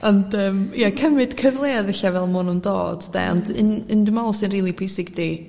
ond yym ia cymryd cyfleoedd felly fel ma' nw'n dod de ond un... un dwi me'l sy'n rili pwysig 'di